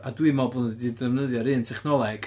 A dwi'n meddwl bod nhw 'di defnyddio'r un technoleg...